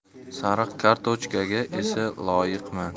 sariq kartochkaga esa loyiqman